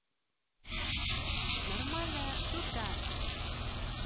нормальная шутка